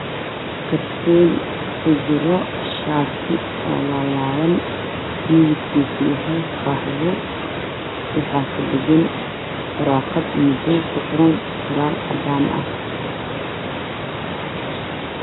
Halkaan waxaa ka muuqdo shaati ku jiro kartoonka lagu keeno midkiisu waa guduud